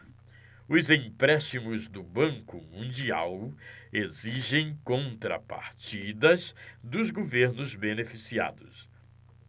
os empréstimos do banco mundial exigem contrapartidas dos governos beneficiados